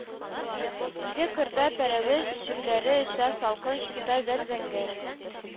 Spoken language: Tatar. Иде, кырда пәрәвез җепләре оча, салкын чиста зәп-зәңгәр